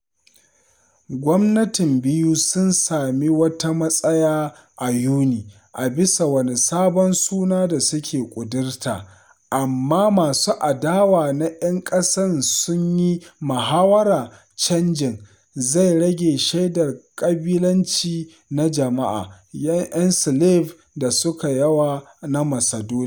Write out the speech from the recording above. Gwamnatin biyu sun sami wata matsayi a Yuni a bisa wani sabon suna da suka ƙudurta, amma masu adawa na ‘yan kasanci sun yi mahawara canjin zai rage shaidar ƙabilanci na jama’a ‘yan Slav da suka yawa na Macedonia.